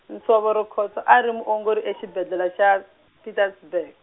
nsovo rikhotso a ri muongori exibedlele xa, Pietersburg.